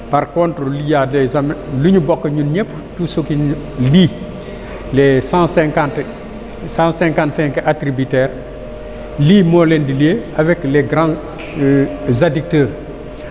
par contre il y' a des années li ñu bokk ñun ñëpp out ce qui nous lie les cent cinquante cent cinquante cinq attributaires lii moo leen di lié avec les grandes addicteurs